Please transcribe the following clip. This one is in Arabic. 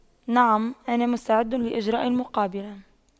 نعم انا مستعد لإجراء المقابلة